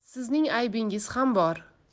sizning aybingiz ham bor